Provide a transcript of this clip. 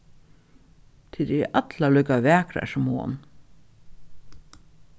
tit eru allar líka vakrar sum hon